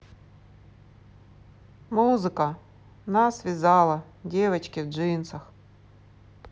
музыка нас связала девочки в джинсах